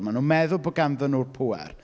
Maen nhw'n meddwl bod ganddyn nhw'r pŵer.